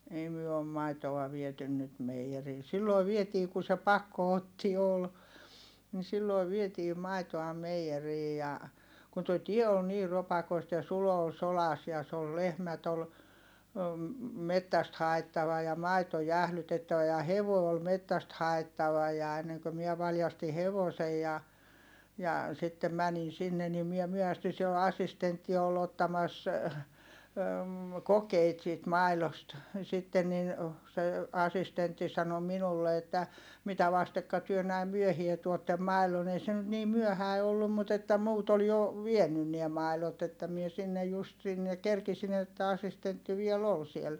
ei me on maitoa viety nyt meijeriin silloin vietiin kun se pakotti oli niin silloin vietiin maitoa meijeriin ja kun tuo tie oli niin ropakoista ja Sulo oli sodassa ja se oli lehmät oli metsästä haettava ja maito jäähdytettävä ja hevonen oli metsästä haettava ja ennen kuin minä valjastin hevosen ja ja sitten menin sinne niin minä myöhästyin siellä assistentti oli ottamassa kokeita siitä maidosta sitten niin se assistentti sanoi minulle että mitä vastekka te näin myöhään tuotte maidon ei se nyt niin myöhäinen ollut mutta että muut oli jo vienyt ne maidot että minä sinne just sinne kerkesin että assistentti vielä oli siellä